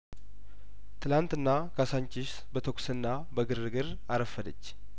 ትላንትና ካዛንችስ በተኩስና በግርግር አረፈደች